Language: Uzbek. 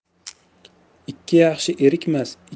ikki yaxshi erikmas